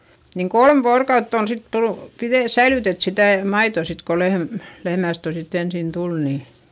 niin kolme vuorokautta on sitten tullut - säilytetty sitä maitoa sitten kun - lehmästä - ensin tuli niin